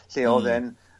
lle o'dd e'n